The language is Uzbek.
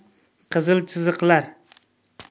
qizil chiziqlar